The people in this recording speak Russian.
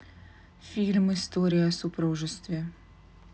фильм история о супружестве